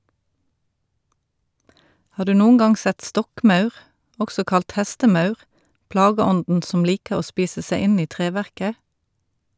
Har du noen gang sett stokkmaur , også kalt hestemaur , plageånden som liker å spise seg inn i treverket?